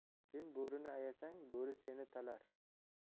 sen bo'rini ayasang bo'ri ceni talar